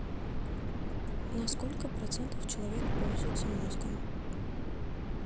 насколько процентов человек пользуется мозгом